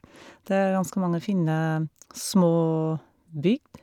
Det er ganske mange fine små bygd.